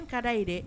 An ka da yen dɛ